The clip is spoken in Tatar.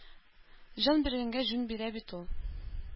Җан биргәнгә җүн бирә бит ул.